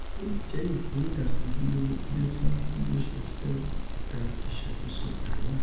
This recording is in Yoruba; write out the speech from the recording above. ’’Ó lè jẹ́ ìkoríta ojúlówó’’ bí ó ti rántí bí ó ṣe fẹ́ gba ìṣàkóso Alloa.